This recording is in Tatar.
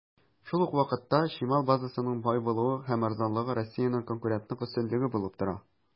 Шул ук вакытта, чимал базасының бай булуы һәм арзанлыгы Россиянең конкурентлык өстенлеге булып тора.